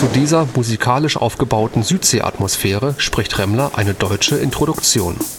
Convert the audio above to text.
dieser musikalisch aufgebauten Südsee-Atmosphäre spricht Remmler eine deutsche Introduktion